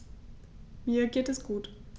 Mir geht es gut.